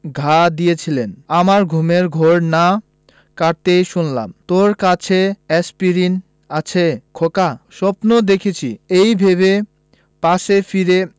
ঘা দিয়েছিলেন আমার ঘুমের ঘোর না কাটতেই শুনলাম তোর কাছে এ্যাসপিরিন আছে খোকা স্বপ্ন দেখছি এই ভেবে পাশে ফিরে